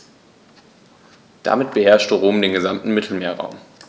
Damit beherrschte Rom den gesamten Mittelmeerraum.